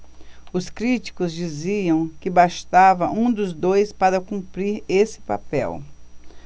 os críticos diziam que bastava um dos dois para cumprir esse papel